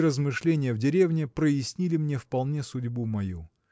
и размышление в деревне прояснили мне вполне судьбу мою.